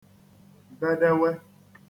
bedewē